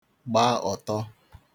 gba ọ̀tọ